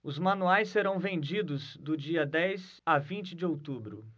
os manuais serão vendidos do dia dez a vinte de outubro